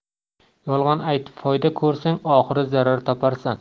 yolg'on aytib foyda ko'rsang oxiri zarar toparsan